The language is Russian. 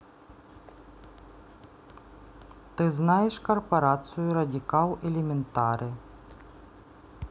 ты знаешь корпорацию радикал elementaree